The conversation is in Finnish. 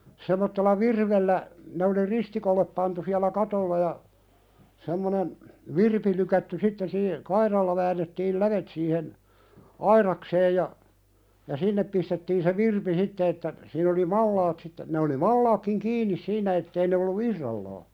semmoisella virvellä ne oli ristikolle pantu siellä katolla ja semmoinen virpi lykätty sitten - kairalla väännettiin lävet siihen aidakseen ja sinne pistettiin se virpi sitten että siinä oli malat sitten ne oli malatkin kiinni siinä että ei ne ollut irrallaan